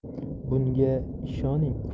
bunga ishoning